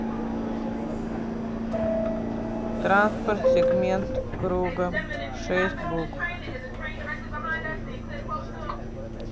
транспорт сегмент круга шесть букв